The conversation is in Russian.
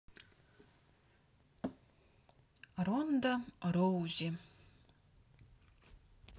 ронда роузи